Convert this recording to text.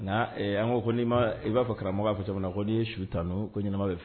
N an ko ko n' i b'a fɔ karamɔgɔ b'a fɔ jamana ko n'i su tan n' ko ɲɛnama bɛ fɛ